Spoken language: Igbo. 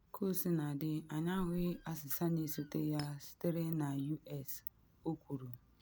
“Kosiladị, anyị ahụghị asịsa na-esote ya sitere na U,S” o kwuru.